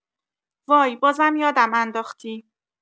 وای بازم یادم انداختی